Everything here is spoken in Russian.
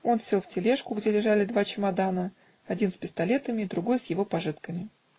Он сел в тележку, где лежали два чемодана, один с пистолетами, другой с его пожитками.